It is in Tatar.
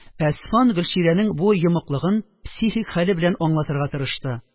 Әсфан Гөлчирәнең бу йомыклыгын психик хәле белән аңлатырга тырышты